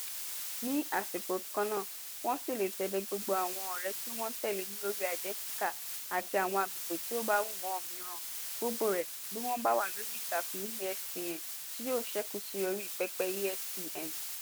Ní àsìkò kan náà, wọ́n ṣì lè tẹ́lẹ̀ gbogbo àwọn ọ̀rẹ́ tí wọ́n ń tẹ́lẹ̀ ní orí Identi.ca àti àwọn àgbègbè tí ó bá wù wọ́n mìíràn, gbogbo rẹ̀ bí wọ́n bá sì wà lórí ìtàkùn ESPN, tí yóò ṣẹ́kù sí orí pẹpẹ ESPN.